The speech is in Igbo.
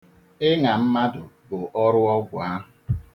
Ịṅa mmadụ bụ ọrụ ọgwụ ahụ.